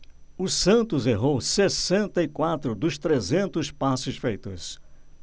o santos errou sessenta e quatro dos trezentos passes feitos